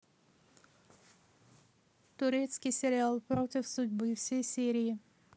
турецкий сериал против судьбы все серии